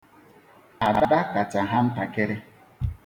Ada kacha ha ntakịrị.